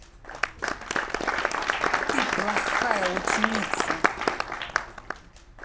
ты плохая ученица